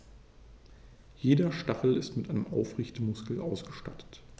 Jeder Stachel ist mit einem Aufrichtemuskel ausgestattet.